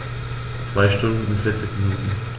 2 Stunden und 40 Minuten